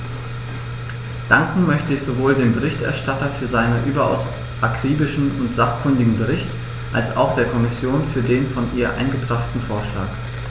Danken möchte ich sowohl dem Berichterstatter für seinen überaus akribischen und sachkundigen Bericht als auch der Kommission für den von ihr eingebrachten Vorschlag.